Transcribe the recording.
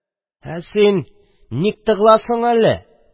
– ә син ник тыгыласың әле?